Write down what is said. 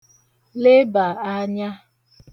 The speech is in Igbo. lebà anya